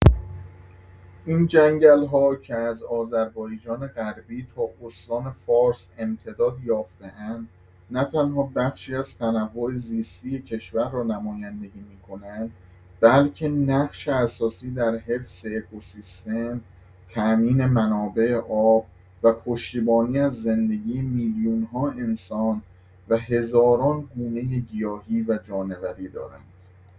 این جنگل‌ها که از آذربایجان‌غربی تا استان فارس امتداد یافته‌اند، نه‌تنها بخشی از تنوع زیستی کشور را نمایندگی می‌کنند، بلکه نقش اساسی در حفظ اکوسیستم، تأمین منابع آب و پشتیبانی از زندگی میلیون‌ها انسان و هزاران گونه گیاهی و جانوری دارند.